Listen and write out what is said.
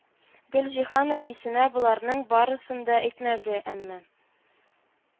Гөлҗиһан әтисенә боларның барысын да әйтмәде, әмма